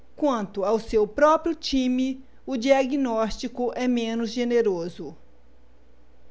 quanto ao seu próprio time o diagnóstico é menos generoso